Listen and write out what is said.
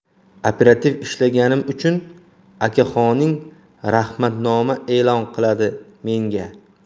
operativ ishlaganim uchun okaxoning rahmatnoma e'lon qiladi menga